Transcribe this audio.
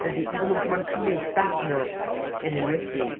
Yndi. Dydy o'm... Mae'n cymryd darnau yn enwedig.